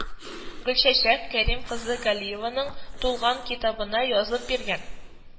Гөлчәчәк Кәрим кызы Галиеваның «Тулгак» китабына язып биргән